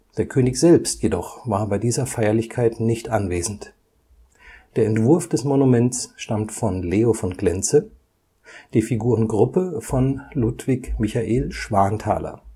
Der König selbst jedoch war bei dieser Feierlichkeit nicht anwesend. Der Entwurf des Monuments stammt von Leo von Klenze, die Figurengruppe von Ludwig Michael Schwanthaler